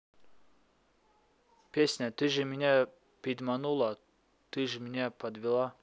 песня ты же меня пидманула ты ж меня подвела